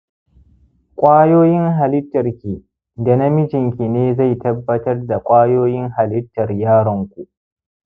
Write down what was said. kwayoyin halittarki da na mijinki ne zai tabbatar da kwayoyin halittar yaron ku